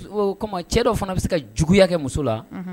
O cɛ dɔw fana bɛ se ka juguya kɛ muso la